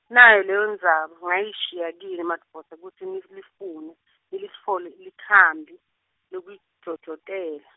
nayo leyo Ndzaba, ngiyishiya kini madvodza kutsi nilifune, nilitfole likhambi, lekujojotela.